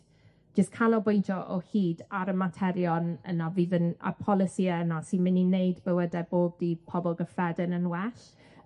jyst canolbwyntio o hyd ar y materion yna fydd yn a'r polisïe yna sy myn' i wneud bywydau bob dydd pobol gyffredin yn well.